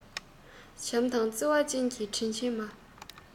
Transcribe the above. བྱམས དང བརྩེ བ ཅན གྱི དྲིན ཆེན མ